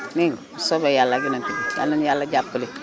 dégg nga bu soobee yàlla ak yonent bi yàlla nañu yàlla jàppale